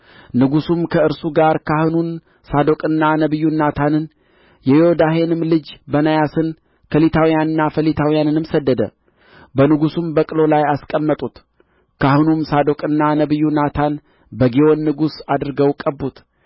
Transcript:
ንጉሡም ከእርሱ ጋር ካሁኑን ሳዶቅንና ነቢዩን ናታንን የዮዳሄንም ልጅ በናያስን ከሊታውያንንና ፈሊታውያንንም ሰደደ በንጉሡም በቅሎ ላይ አስቀመጡት ካህኑም ሳዶቅና ነቢዩ ናታን በግዮን ንጉሥ አድርገው ቀቡት